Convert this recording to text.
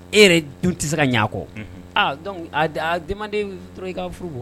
E yɛrɛ dun te se ka ɲɛ a kɔ unhun aa donc ad a demander dɔrɔɔn i k'a furu